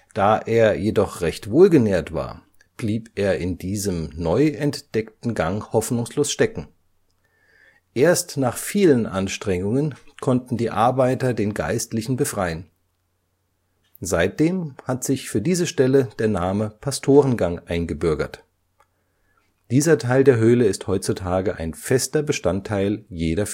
Da er jedoch recht wohlgenährt war, blieb er in diesem neu entdeckten Gang hoffnungslos stecken. Erst nach vielen Anstrengungen konnten die Arbeiter den Geistlichen befreien. Seitdem hat sich für diese Stelle der Name Pastorengang eingebürgert. Dieser Teil der Höhle ist heutzutage ein fester Bestandteil jeder